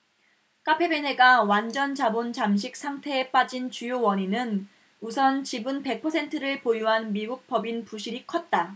카페베네가 완전자본잠식 상태에 빠진 주요 원인은 우선 지분 백 퍼센트를 보유한 미국법인 부실이 컸다